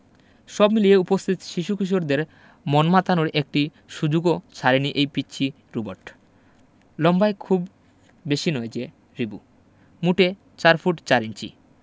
সব মিলিয়ে উপস্থিত শিশুকিশোরদের মন মাতানোর একটি সুযোগও ছাড়েনি এই পিচ্চি রোবট; লম্বায় খুব বেশি নয় যে রিবো মোটে ৪ ফুট ৪ ইঞ্চি